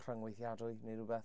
Rhyngweithiadwy neu rhywbeth?